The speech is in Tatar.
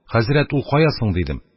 Хәзрәт, ул кая соң?» – дидем.